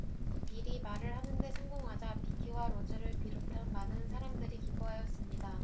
빌이 말을 하는 데 성공하자 빅키와 로즈를 비롯한 많은 사람들이 기뻐하였습니다